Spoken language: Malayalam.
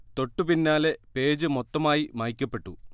തൊട്ടു പിന്നാലെ പേജ് മൊത്തമായി മായ്ക്കപ്പെട്ടു